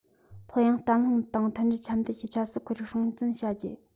ལྷོད ཡངས བརྟན ལྷིང དང མཐུན སྒྲིལ འཆམ མཐུན གྱི ཆབ སྲིད ཁོར ཡུག སྲུང འཛིན བྱ རྒྱུ